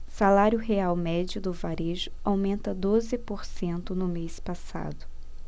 salário real médio do varejo aumenta doze por cento no mês passado